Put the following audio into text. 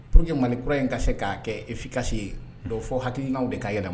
Pour que Mali kura in ka se k'a kɛ efficace ye bon fo hakilinaw de ka yɛlɛma.